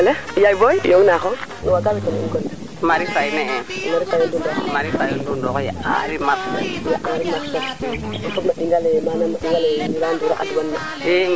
merci beaucoup Yaye Boy faley fe mosa lool lool merci beaucoup bo ndiik i ndef neeke kama paanale Ndoundokh ande mbekte fe dama xam rek manam forme fo mosu fe ɗingale saq na i ngiɗ ma den a paxa paax manam na caɓale ando naye a njambida in meeke